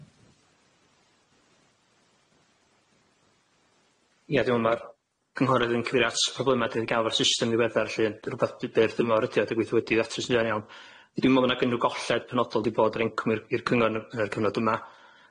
Ia dw' me'l ma'r cynghorydd yn cyfeirio at problema 'da ni'n ga'l fo'r system yn ddiweddar lly yn rwbath byr dymor ydi o dwi'n gobeithio fydd o wedi'i ddatrys yn fuan iawn. Dwi'm yn me'l bod 'na unryw golled penodol 'di bod i'r incwm i'r cyngor yn y cyfnod yma